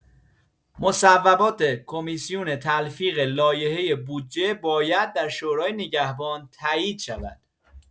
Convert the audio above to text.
مصوبات کمیسیون تلفیق لایحه بودجه باید در شورای نگهبان تایید شود.